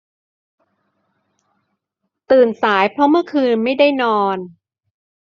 ตื่นสายเพราะเมื่อคืนไม่ได้นอน